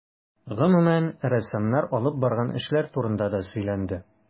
Гомүмән, рәссамнар алып барган эшләр турында да сөйләнде.